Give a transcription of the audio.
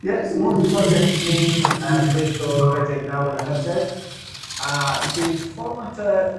Ie so ma' 'wn yn project ni'n yy gobeitho redeg nawr yn y Hydref a bydd fformat y